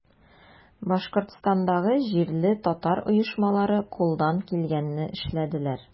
Башкортстандагы җирле татар оешмалары кулдан килгәнне эшләделәр.